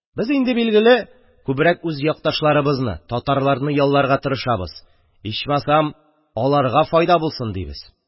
Без инде, билгеле, күбрәк үз якташларыбызны, татарларны ялларга тырышабыз, ичмасам аларга файда булсын дибез.